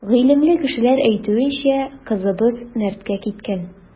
Гыйлемле кешеләр әйтүенчә, кызыбыз мәрткә киткән.